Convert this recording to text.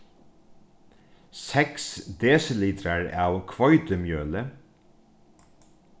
seks desilitrar av hveitimjøli